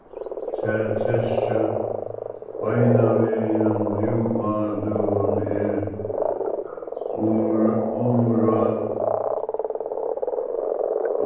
tær treskja beinanvegin nú á døgum er